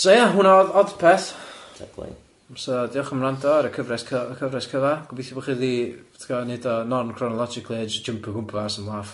So ie hwnna odd Odpeth so diolch am wrando ar y cyfres cy- cyfres cyfa gobeithio bo' chi iddi tibod neud o non chronologically a jyst jympio gwmpas am laff.